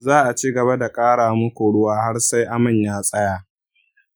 za'a ci gaba da kara maku ruwa har sai aman ya tsaya.